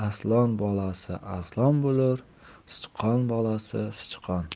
arslon bolasi arslon bo'lur sichqon bolasi sichqon